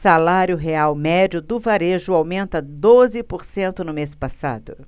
salário real médio do varejo aumenta doze por cento no mês passado